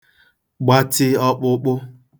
gbatị ọkpụkpụ